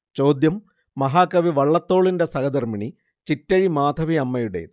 ചോദ്യം മഹാകവി വള്ളത്തോളിന്റെ സഹധർമ്മിണി ചിറ്റഴി മാധവിയമ്മയുടേത്